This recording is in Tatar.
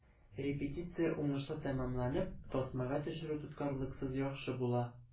Репетиция уңышлы тәмамланып, тасмага төшерү тоткарлыксыз яхшы була.